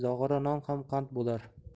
zog'ora non ham qand bo'lar